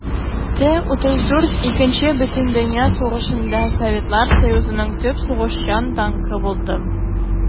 Т-34 Икенче бөтендөнья сугышында Советлар Союзының төп сугышчан танкы булды.